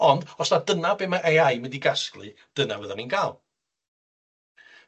Ond os na dyna be mae Ay I 'n mynd i gasglu, dyna fyddan ni'n ga'l.